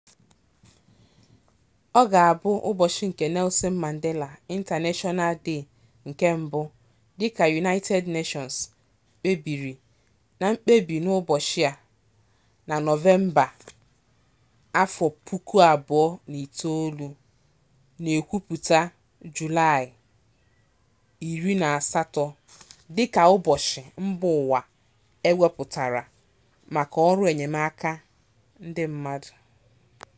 Ọ ga-abụ ụbọchi nke Nelson Mandela International Day nke mbụ, dị ka United Nations kpebiri na mkpebi n'ụbọchị a na Nọvemba 2009, na-ekwupụta Julaị 18 dịka ụbọchị mbaụwa ewepụtara maka ọrụ enyemaka ndị mmadụ.